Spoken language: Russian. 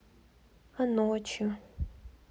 а ночью